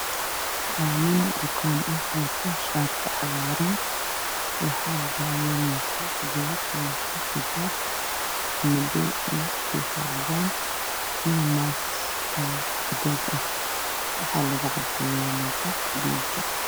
Waa nin bukaan ah wata shaati cagaaran